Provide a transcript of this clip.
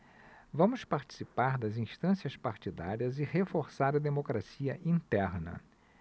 vamos participar das instâncias partidárias e reforçar a democracia interna